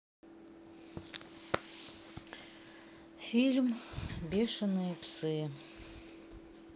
фильм бешеные псы